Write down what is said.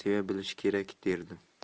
seva bilish kerak derdim